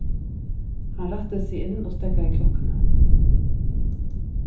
hann rætti seg inn og steðgaði klokkuni